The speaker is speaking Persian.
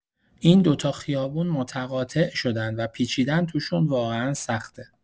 این دو تا خیابون متقاطع شدن و پیچیدن توشون واقعا سخته.